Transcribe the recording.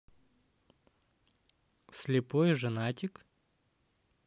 слепой женатик